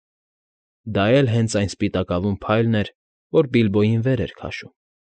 Դա էլ հենց այն սպիտակավուն փայլն էր, որ Բիլբոյին վեր էր քաշում։